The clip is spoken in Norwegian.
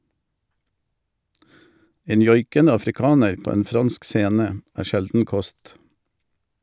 En joikende afrikaner på en fransk scene, er sjelden kost.